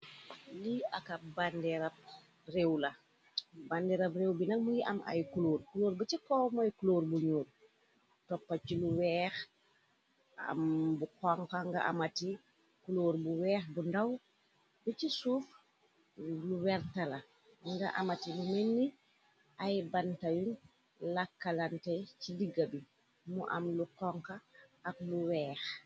Lii ak ab bandirab réew la bandirab réew bi na muy am ay kuloor kuloor ga ci kowmoy kuloor bu ñoor toppa ci lu weex am bu xonka nga amati kuloor bu weex bu ndaw bi ci suuf lu wertala nga amati lu menni ay bantayu lakkalante ci digga bi mu am lu konka ak lu weex.